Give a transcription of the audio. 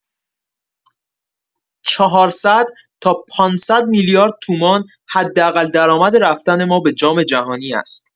۴۰۰ تا ۵۰۰ میلیارد تومان حداقل درآمد رفتن ما به جام‌جهانی است.